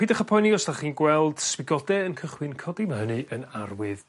pidwych â poeni os 'dach chi'n gweld swigode yn cychwyn codi ma' hynny yn arwydd